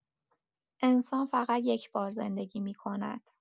انسان فقط یک‌بار زندگی می‌کند.